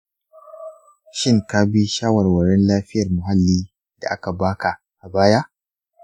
shin ka bi shawarwarin lafiyar muhalli da aka ba ka a baya?